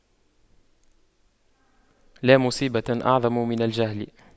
لا مصيبة أعظم من الجهل